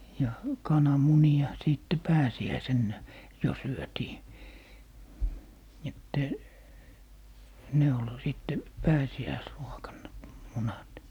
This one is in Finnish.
ja kananmunia sitten pääsiäisenä jo syötiin että ne oli sitten pääsiäisruokana munat